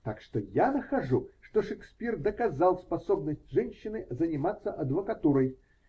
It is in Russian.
Так что я нахожу, что Шекспир доказал способность женщины заниматься адвокатурой.